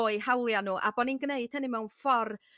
o'u hawlia' n'w a bo' ni'n g'neud hynny mewn ffor'